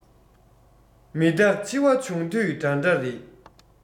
མི རྟག འཆི བ བྱུང དུས འདྲ འདྲ རེད